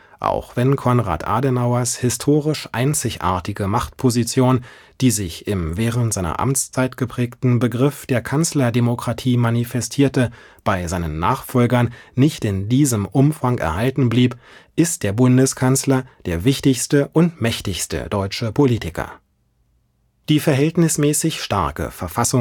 Auch wenn Konrad Adenauers historisch einzigartige Machtposition, die sich im während seiner Amtszeit geprägten Begriff der „ Kanzlerdemokratie “manifestierte, bei seinen Nachfolgern nicht in diesem Umfang erhalten blieb, ist der Bundeskanzler der wichtigste und mächtigste deutsche Politiker. Die verhältnismäßig starke verfassungsrechtliche